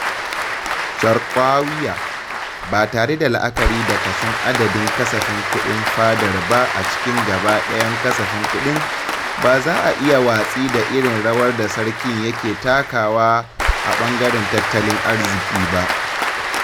charquauuia: Ba tare da la'akari da kason adadin kasafin kuɗin fadar ba a cikin gaba ɗayan kasafin kuɗin, ba za a iya watsi da irin rawar da sarkin yake takawa a ɓangaren tattalin arziki ba.